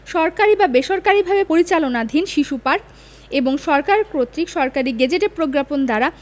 সরকারী বা বেসরকালিভাবে পরিচালনাধীন শিশু পার্ক এবং সরকার কর্তৃক সরকারী গেজেটে প্রজ্ঞাপন দ্বারা